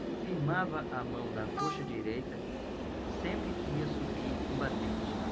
firmava a mão na coxa direita sempre que ia subir um batente